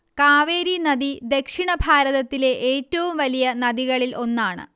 കാവേരി നദി ദക്ഷിണ ഭാരതത്തിലെ എറ്റവും വലിയ നദികളിൽ ഒന്നാണ്